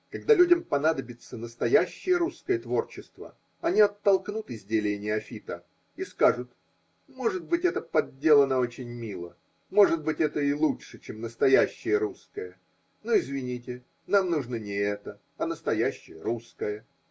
Когда людям понадобится настоящее русское творчество, они оттолкнут изделие неофита и скажут: может быть, это подделано очень мило, может быть, это и лучше, чем настоящее русское, – но извините, нам нужно не это, а настоящее русское.